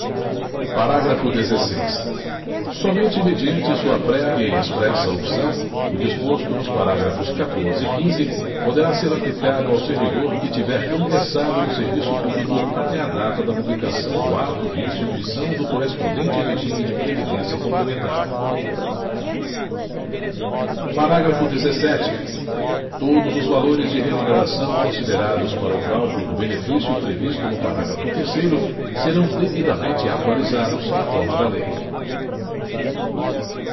parágrafo desesseis somente mediante sua prévia e expressa opção o disposto nos parágrafo quatorze e quinze poderá ser aplicado ao servidor que tiver ingressado no serviço público até a data da publicação do ato de instituição do correspondente regime de previdência complementar parágrafo dezessete todos os valores de remuneração considerados para o cálculo do benefício previsto no parágrafo terceiro serão devidamente atualizados na forma da lei